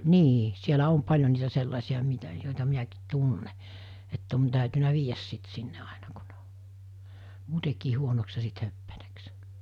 niin siellä on paljon niitä sellaisia mitä joita minäkin tunnen että on täytynyt viedä sitten sinne aina kun ne on muutenkin huonoksi ja sitten höppänäksi